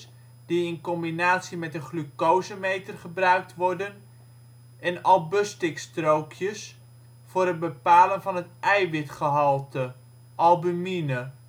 die in combinatie met een glucosemeter gebruikt worden. Albustix-strookjes voor het bepalen van het eiwitgehalte (albumine